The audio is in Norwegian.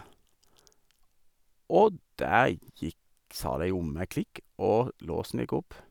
Og der gikk sa det jommen meg klikk, og låsen gikk opp.